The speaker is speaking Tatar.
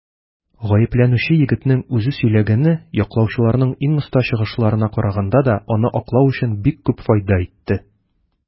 Гаепләнүче егетнең үзе сөйләгәне яклаучыларның иң оста чыгышларына караганда да аны аклау өчен бик күп файда итте.